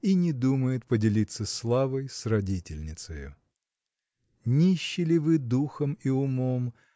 и не думает поделиться славой с родительницею. Нищи ли вы духом и умом